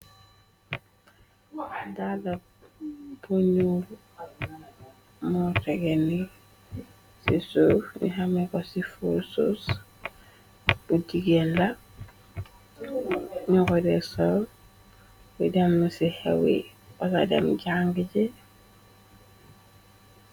Daala bu ñyul moo tegeni ci suuf ni xamé ko ci fosos bu jigéen la ñu xoday sol di dem ci xewi bugadem jang ji.